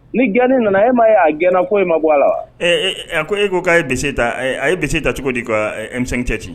Ni g ganni nana e ma ye' a gɛnna ko e ma bɔ a ala wa eee a ko e ko a ye ta a ye bilisi ta cogo dimisɛn cɛ ten